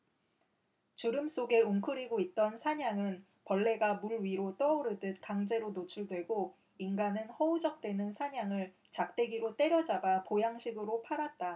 주름 속에 웅크리고 있던 산양은 벌레가 물위로 떠오르듯 강제로 노출되고 인간은 허우적대는 산양을 작대기로 때려잡아 보양식으로 팔았다